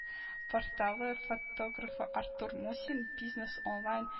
Порталы фотографы артур мусин, «бизнес онлайн»